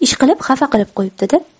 ishqilib xafa qilib qo'yibdi da